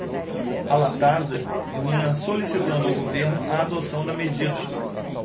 a latasa vinha solicitando ao governo a adoção da medida